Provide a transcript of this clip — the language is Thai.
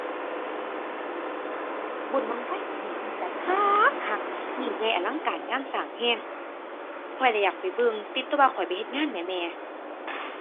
บุญบั้งไฟปีนี้เพิ่นจัดคักคัก ยิ่งใหญ่อลังการงานสร้างแรง ข้อยแรงอยากไปเบิ่ง ติดแต่ว่าข้อยไปเฮ็ดงานแหมแม่